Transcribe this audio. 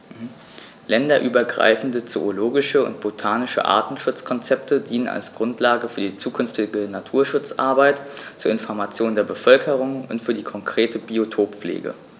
Länderübergreifende zoologische und botanische Artenschutzkonzepte dienen als Grundlage für die zukünftige Naturschutzarbeit, zur Information der Bevölkerung und für die konkrete Biotoppflege.